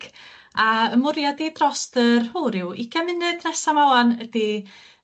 A 'ym mwriad i dros yr o ryw ugian munud nesa 'ma ŵan ydi